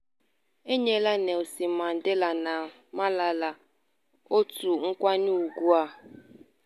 E nyela Nelson Mandela na Malala otu nkwanye ùgwù a.